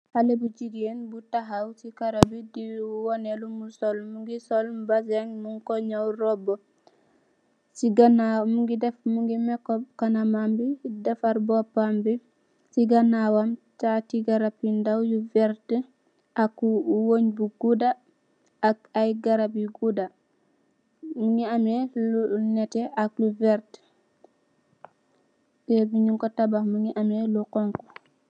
Haleh bu gigain bu takhaw cii kaaroh bii dii wohneh lumu sol, mungy sol mbazin munkoh njaw rohbue, cii ganaw mungy def mungy makeup kanamam bii, defarr bopam bii, cii ganawam taati garab yu ndaw yu vertue ak woh weungh bu gudah ak aiiy garab yu gudah, njungy ameh lu nehteh ak lu vert yehp njung kor tabakh mungy ameh lu honhu.